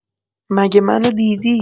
مگه منو دیدی